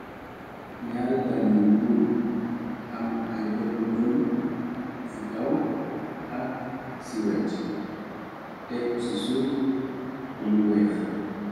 ñaari dal yu nuul am ay bonnabonna ci kaw ak ci wet tekku ci suuf ci lu weex.